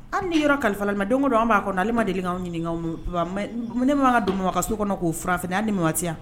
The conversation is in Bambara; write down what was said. An ni yɔrɔ kalifa mɛ don don an b'a kɔnɔ na ale ma deli k' ɲini ne b ma ka donma ka so kɔnɔ k'o farafifinna an ni waatiya